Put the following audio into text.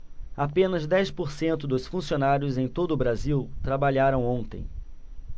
apenas dez por cento dos funcionários em todo brasil trabalharam ontem